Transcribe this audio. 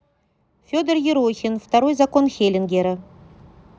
федор ерохин второй закон хелингера